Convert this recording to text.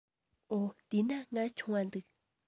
འོ དེས ན ང ཆུང བ འདུག